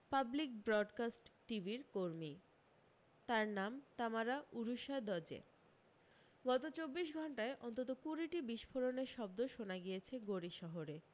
public broadcast টিভির কর্মী তার নাম তামারা উরুশাদজে গত চব্বিশ ঘন্টায় অন্তত কুড়ি টি বিস্ফোরণের শব্দ শোনা গিয়েছে গোরি শহরে